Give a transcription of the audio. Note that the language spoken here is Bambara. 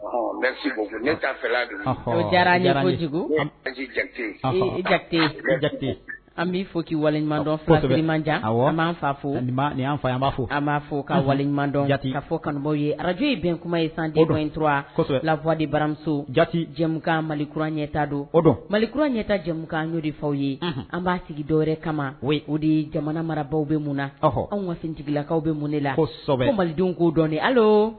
Diyara ɲaj jatete jatete an bɛ fɔ k' waliɲumandɔn fɔmanja a manfa fo anfa an'a fɔ an b'a fɔ k ka waliɲumandɔn jate ka fɔ kanubaw ye arajo ye bɛn kuma ye san den dɔ inturasɔ filawadi baramuso jatejamu ka malikuran ɲɛta don o don malikkura ɲɛta jɛmukan ɲɔodifaw ye an b'a sigi dɔwɛrɛ kama o o de jamana marabagaw bɛ mun ɔh an ka sintigilakaw bɛ mun ne la ko so malidenw ko dɔn